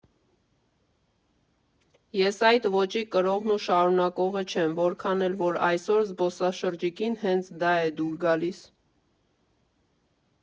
Ես այդ ոճի կրողն ու շարունակողը չեմ, որքան էլ որ այսօր զբոսաշրջիկին հենց դա է դուր գալիս։